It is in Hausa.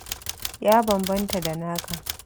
Ya bambanta da naka.